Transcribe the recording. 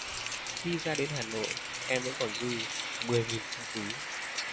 khi ra đến hà nội em vẫn còn dư mười nghìn trong túi